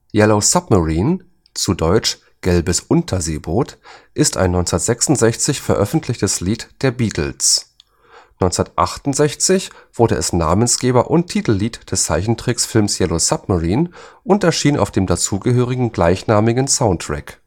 Yellow Submarine “(deutsch: „ Gelbes Unterseeboot “) ist ein 1966 veröffentlichtes Lied der Beatles. 1968 wurde es Namensgeber und Titellied des Zeichentrickfilms „ Yellow Submarine “und erschien auf dem dazugehörigen gleichnamigen Soundtrack